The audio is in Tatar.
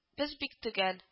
Без бик төгәл